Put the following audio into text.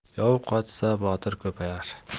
yov qochsa botir ko'payar